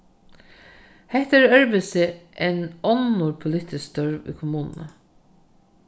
hetta er øðrvísi enn onnur politisk størv í kommununi